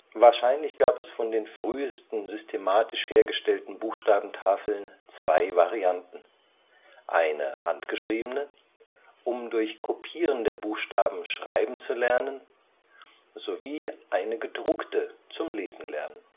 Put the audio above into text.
Wahrscheinlich gab es von den frühesten systematisch hergestellten Buchstabentafeln zwei Varianten: eine handgeschriebene, um durch Kopieren der Buchstaben Schreiben zu lernen, sowie eine gedruckte zum Lesen lernen